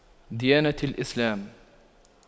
ديانتي الإسلام